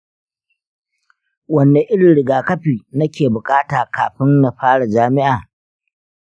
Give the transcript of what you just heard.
wanne irin rigakafi nake bukata kafin na fara jami'a?